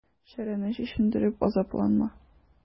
Шәрәне чишендереп азапланма.